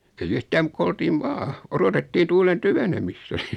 ei yhtään mutta kun oltiin vain odotettiin tuulen tyvenemistä